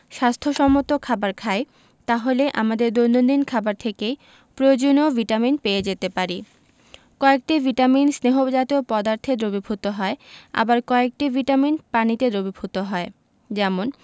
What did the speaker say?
স্বাস্থ্য সম্মত খাবার খাই তাহলে আমাদের দৈনন্দিন খাবার থেকেই প্রয়োজনীয় ভিটামিন পেয়ে যেতে পারি কয়েকটি ভিটামিন স্নেহ জাতীয় পদার্থে দ্রবীভূত হয় আবার কয়েকটি ভিটামিন পানিতে দ্রবীভূত হয়